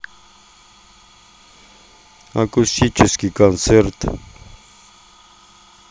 акустический концерт